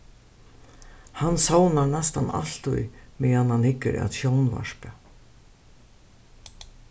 hann sovnar næstan altíð meðan hann hyggur at sjónvarpi